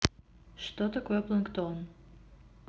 что такое плангтон